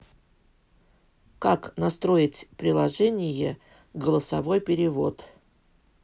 как настроить приложение голосовой перевод